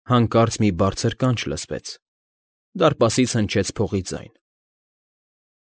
Հանկարծ մի բարձր կանչ լսվեց, դարպասից հնչեց փողի ձայն։